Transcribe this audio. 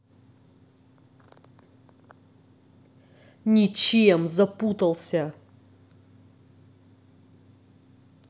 ничем запутался